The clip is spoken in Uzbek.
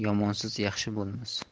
yomonsiz yaxshi bo'lmas